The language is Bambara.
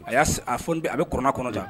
A y'a a a bɛ kma kɔnɔjan